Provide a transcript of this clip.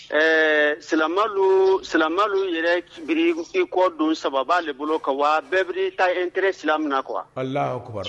Ɛɛ silamɛluu silamɛlu yɛrɛ k biri i kɔ don sababa le bolo kan waa bɛɛ biri ta interet sila mina quoi Alahu akbar